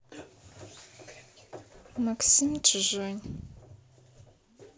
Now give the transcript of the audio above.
максим чужой